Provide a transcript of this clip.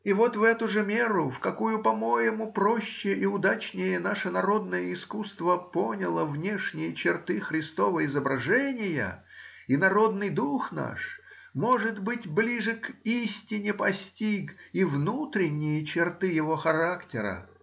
И вот, в эту же меру, в какую, по-моему, проще и удачнее наше народное искусство поняло внешние черты Христова изображения, и народный дух наш, может быть, ближе к истине постиг и внутренние черты его характера.